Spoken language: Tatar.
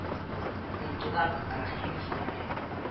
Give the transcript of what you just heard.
—инкыйлаб рәхимовнаның